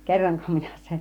kerronko minä sen